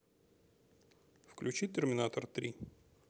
включи терминатор три